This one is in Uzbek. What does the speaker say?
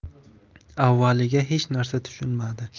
avvaliga hech narsa tushunmadi